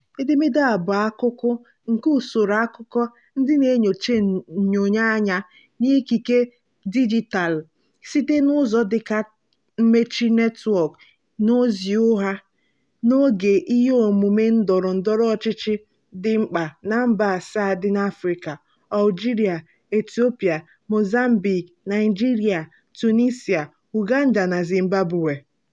Edemede a bụ akụkụ nke usoro akụkọ ndị na-enyocha nnyonye anya na ikike dijitalụ site na ụzọ dịka mmechi netwọk na ozi ugha n'oge ihe omume ndọrọ ndọrọ ọchịchị dị mkpa na mba asaa dị n'Afịrịka: Algeria, Ethiopia, Mozambique, Naịjirịa, Tunisia, Uganda, na Zimbabwe.